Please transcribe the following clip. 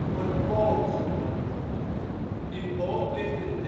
wordt ' baulk ' genoemd. In baulk ligt de